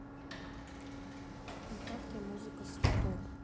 вконтакте музыка топ